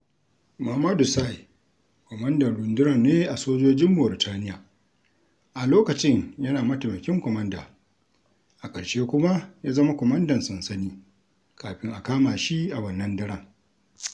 Mamadou Sy kwamandan rundunar ne a sojojin Mauritaniya, a lokacin yana mataimakin kwamanda, a ƙarshe kuma ya zama kwamandan sansani kafin a kama shi a wannan daren.